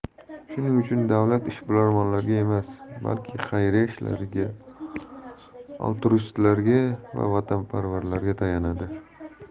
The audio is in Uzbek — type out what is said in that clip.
shuning uchun davlat ishbilarmonlarga emas balki xayriya ishlariga alturistlarga va vatanparvarlarga tayanadi